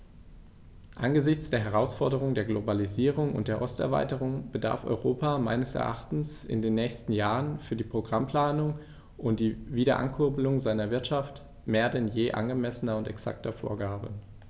Angesichts der Herausforderung der Globalisierung und der Osterweiterung bedarf Europa meines Erachtens in den nächsten Jahren für die Programmplanung und die Wiederankurbelung seiner Wirtschaft mehr denn je angemessener und exakter Vorgaben.